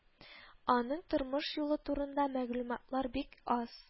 Аның тормыш юлы турында мәгълүматлар бик аз